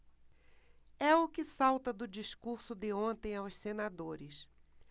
é o que salta do discurso de ontem aos senadores